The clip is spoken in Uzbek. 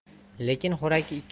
lekin xo'rak ikki